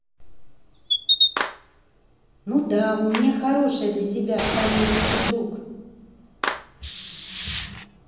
ну да у меня хорошая для тебя в самый лучший друг